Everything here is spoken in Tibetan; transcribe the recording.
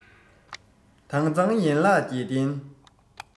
དྭངས གཙང ཡན ལག བརྒྱད ལྡན